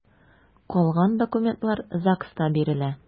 Калган документлар ЗАГСта бирелә.